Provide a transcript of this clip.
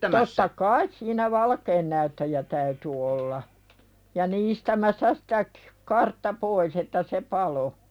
totta kai siinä valkeannäyttäjä täytyi olla ja niistämässä sitä - kartta pois että se paloi